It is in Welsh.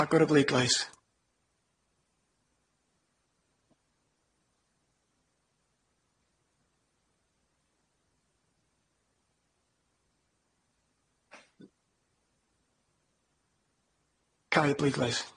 Agor y bleulais. Cau y bleidlais.